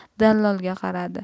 dallolga qaradi